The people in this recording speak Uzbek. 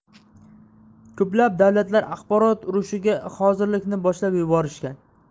ko'plab davlatlar axborot urushiga hozirlikni boshlab yuborishgan